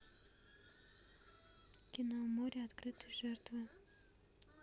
кино море открытые жертвы